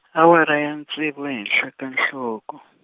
awara ya ntsevu ehenhla ka nhloko.